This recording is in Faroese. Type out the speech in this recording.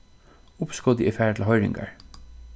uppskotið er farið til hoyringar